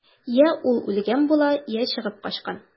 Йә ул үлгән була, йә чыгып качкан.